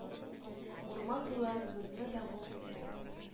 Урман-болыннарыбызны да мул итте,